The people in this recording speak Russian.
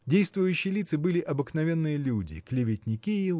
Действующие лица были обыкновенные люди клеветники